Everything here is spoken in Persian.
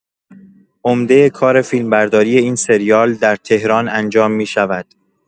عمده کار فیلمبرداری این سریال در تهران انجام می‌شود.